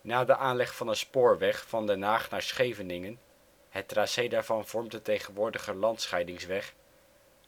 Na de aanleg van een spoorweg van Den Haag naar Scheveningen (het tracé daarvan vormt de tegenwoordige Landscheidingsweg)